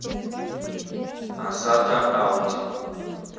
asata ауди